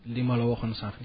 li ma la waxoon sànq